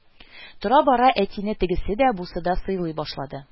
Тора-бара әтине тегесе дә, бусы да сыйлый башлады